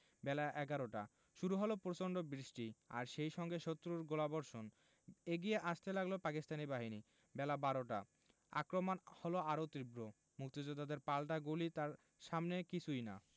বেলা এগারোটা শুরু হলো প্রচণ্ড বৃষ্টি আর সেই সঙ্গে শত্রুর গোলাবর্ষণ এগিয়ে আসতে লাগল পাকিস্তানি বাহিনী বেলা বারোটা আক্রমণ হলো আরও তীব্র মুক্তিযোদ্ধাদের পাল্টা গুলি তার সামনে কিছুই না